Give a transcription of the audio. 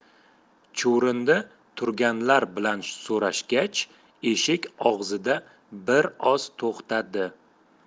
chuvrindi turganlar bilan so'rashgach eshik og'zida bir oz to'xtadi